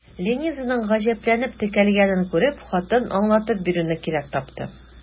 Ленизаның гаҗәпләнеп текәлгәнен күреп, хатын аңлатып бирүне кирәк тапты.